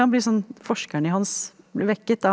han blir sånn forskeren i hans blir vekket da.